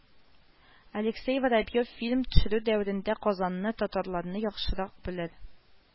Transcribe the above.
Алексей Воробьев фильм төшерү дәверендә Казанны, татарларны яхшырак белер